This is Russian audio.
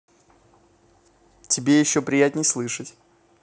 тебе еще приятней слышать